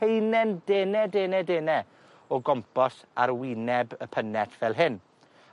heinen dene dene dene o gompos ar wyneb y punnet fel hyn.